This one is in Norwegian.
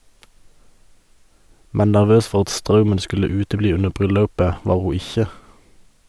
Men nervøs for at straumen skulle utebli under bryllaupet, var ho ikkje.